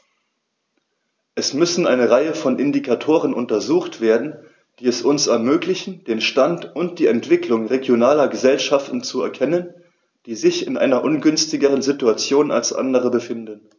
Es müssen eine Reihe von Indikatoren untersucht werden, die es uns ermöglichen, den Stand und die Entwicklung regionaler Gesellschaften zu erkennen, die sich in einer ungünstigeren Situation als andere befinden.